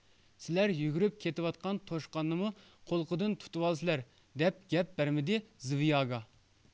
سىلەر يۈگۈرۈپ كېتىۋاتقان توشقاننىمۇ قۇلىقىدىن تۇتۇۋالىسىلەر دەپ گەپ بەرمىدى زىۋياگا